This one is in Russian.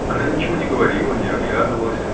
Она ничего не говорила, не оглядывалась